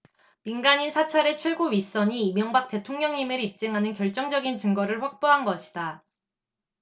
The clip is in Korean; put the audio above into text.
민간인 사찰의 최고 윗선이 이명박 대통령임을 입증하는 결정적인 증거를 확보한 것이다